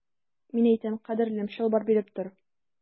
Мин әйтәм, кадерлем, чалбар биреп тор.